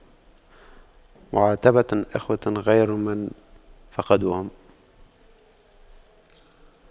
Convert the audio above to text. معاتبة الإخوان خير من فقدهم